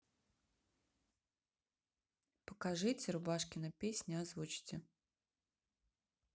покажите рубашкина песня озвучьте